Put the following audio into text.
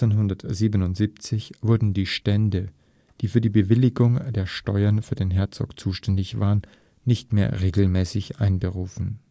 1577 wurden die Stände, die für die Bewilligung der Steuern für den Herzog zuständig waren, nicht mehr regelmäßig einberufen